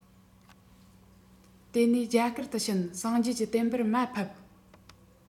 དེ ནས རྒྱ གར དུ ཕྱིན སངས རྒྱས ཀྱི བསྟན པར དམའ ཕབ